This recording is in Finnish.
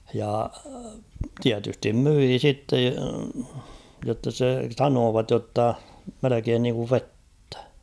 ja tietysti myi sitten jotta se sanoivat jotta melkein niin kuin vettä